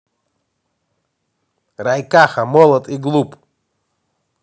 raikaho молод и глуп